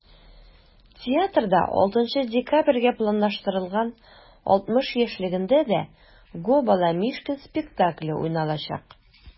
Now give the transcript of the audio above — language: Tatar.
Театрда 6 декабрьгә планлаштырылган 60 яшьлегендә дә “Gо!Баламишкин" спектакле уйналачак.